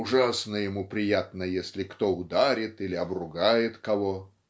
ужасно ему приятно, если кто ударит или обругает кого".